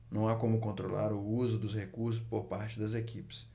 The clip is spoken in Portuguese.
não há como controlar o uso dos recursos por parte das equipes